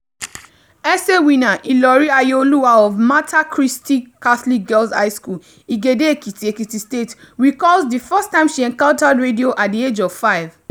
Essay winner Ìlọ̀rí Ayọ̀olúwa of Mater Christi Catholic Girls' High School, Igede Èkìtì, Èkìtì State, recalls the first time she encountered radio at the age 5: